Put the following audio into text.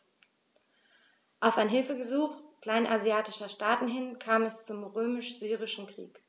Auf ein Hilfegesuch kleinasiatischer Staaten hin kam es zum Römisch-Syrischen Krieg.